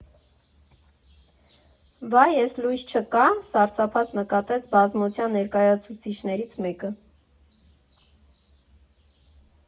Վայ, էս լույս չկա՞, ֊ սարսափած նկատեց բազմության ներկայացուցիչներից մեկը։